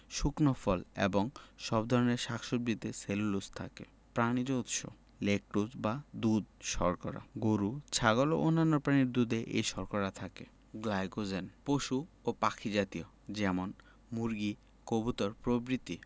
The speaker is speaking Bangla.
শুকনো ফল এবং সব ধরনের শাক সবজিতে সেলুলোজ থাকে প্রানিজ উৎস ল্যাকটোজ বা দুধ শর্করা গরু ছাগল এবং অন্যান্য প্রাণীর দুধে এই শর্করা থাকে গ্লাইকোজেন পশু ও পাখি জাতীয় যেমন মুরগি কবুতর প্রভৃতি